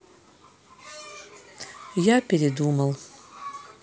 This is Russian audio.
я передумал